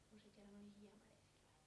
kun se kerran oli hieman erilainen